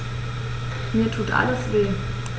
Mir tut alles weh.